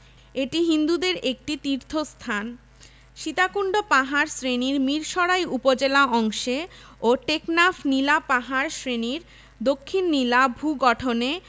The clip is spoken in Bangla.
এটি হিন্দুদের একটি তীর্থস্থান সীতাকুন্ড পাহাড় শ্রেণীর মিরসরাই উপজেলা অংশে ও টেকনাফ নীলা পাহাড় শ্রেণীর দক্ষিণ নীলা ভূগঠনে